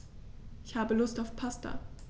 Ich habe Lust auf Pasta.